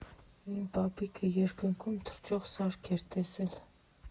Իմ պապիկը երկնքում թռչող սարք է տեսել։